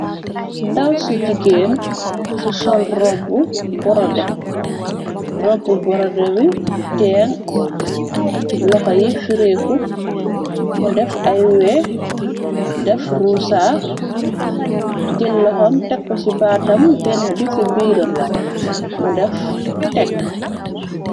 Ndaw ci jigéen ci sol robbo borode wi ten loxo yi fireeku mu def ay wee def rusa jël loxam tekko ci baatam benn bi ci biiram mu def tekk.